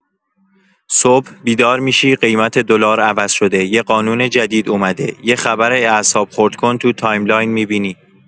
صبح بیدار می‌شی، قیمت دلار عوض شده، یه قانون جدید اومده، یه خبر اعصاب‌خردکن تو تایم‌لاین می‌بینی.